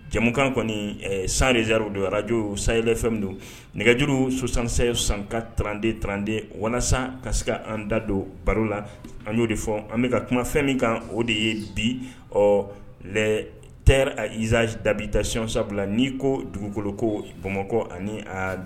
Jamukan kɔni san dezriro don arajo say don nɛgɛjuru sosan sanka tranden tranden walasa ka se an da don baro la an y'o de fɔ an bɛka ka kumafɛn min kan o de ye bi ɔ tɛ azaali dabi tasionsabila ni ko dugukolo ko bamakɔ ani a